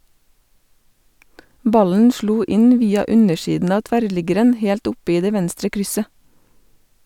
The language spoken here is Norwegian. Ballen slo inn via undersiden av tverrliggeren helt oppe i det venstre krysset.